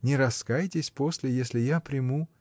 Не раскайтесь после, если я приму.